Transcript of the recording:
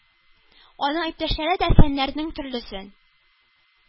Анын иптәшләре дә фәннәрнең, төрлесен,